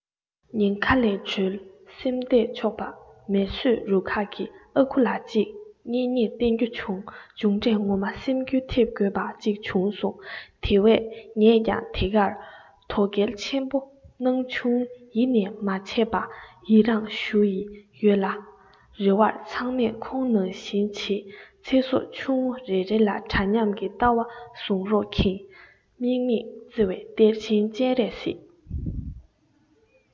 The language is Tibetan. ཉེན ཁ ལས འགྲོལ སེམས གཏད ཆོག པ མེ གསོད རུ ཁག གི ཨ ཁུ ལགས གཅིག གཉེན ཉེར བསྟེན རྒྱུ བྱུང འཇུག འབྲས ངོ མ སེམས འགུལ ཐེབས དགོས པ གཅིག བྱུང སོང དེ བས ངས ཀྱང དེ གར དོ གལ ཆེན པོ སྣང ཆུང ཡེ ནས མ བྱས པ ཡི རངས ཞུ ཡི ཡོད ལ རེ བར ཚང མས ཁོང ནང བཞིན བྱེད ཚེ སྲོག ཆུང ངུ རེ རེ ལ འདྲ སྙམ གྱི ལྟ བ བཟུང རོགས མཁྱེན དམིགས མེད བརྩེ བའི གཏེར ཆེན སྤྱན རས གཟིགས